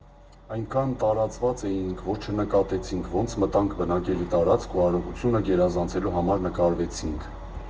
Այնքան տարված էինք, որ չնկատեցինք, ոնց մտանք բնակելի տարածք ու արագությունը գերազանցելու համար նկարվեցինք։